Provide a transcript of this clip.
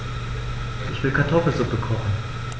Ich will Kartoffelsuppe kochen.